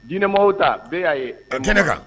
Diinɛma ta bɛɛ y'a ye a kɛnɛ kan